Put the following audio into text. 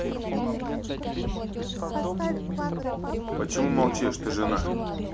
почему молчишь ты жена